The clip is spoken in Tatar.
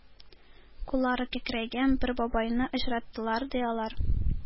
Куллары кәкрәйгән бер бабайны очраттылар, ди, алар.